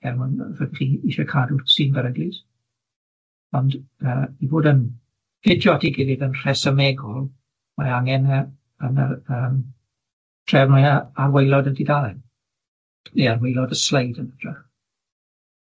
er mwyn yy fyddech chi'n isie cadw sy'n beryglus, ond yy i fod yn ffitio at 'i gilydd yn rhesymegol, mae angen yy yn yr yym trefn wya ar waelod y dudalen, neu ar waelod y sleid yn ytrach.